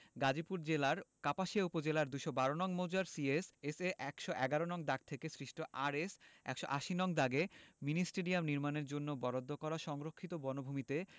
গাজীপুর জেলার কাপাসিয়া উপজেলার ২১২ নং মৌজার সি এস এস এ ১১১ নং দাগ থেকে সৃষ্ট আরএস ১৮০ নং দাগে মিনি স্টেডিয়াম নির্মাণের জন্য বরাদ্দ করা সংরক্ষিত বনভূমিতে